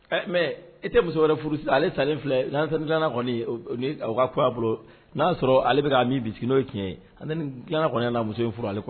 Mɛ e tɛ muso wɛrɛ furusi ale sa filɛ nan dilan kɔni ka a bolo n'a y'a sɔrɔ ale bɛ ka min bisimila n'o tiɲɛ ye an dila kɔnɔna na muso in furu ale kɔnɔ